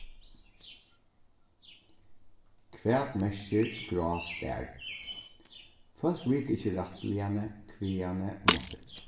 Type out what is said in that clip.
hvat merkir grástar fólk vita ikki rættiligani hvaðani umaftur